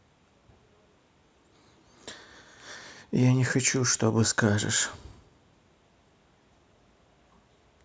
я не хочу чтобы скажешь